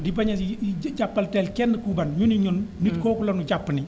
di bañ a di jàppal haine kenn ku beru ñu ne ñun nit kooku la nu jàpp ne